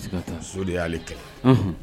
Ka taa so de y'ale tigɛ